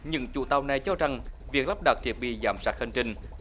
những chủ tàu này cho rằng việc lắp đặt thiết bị giám sát hành trình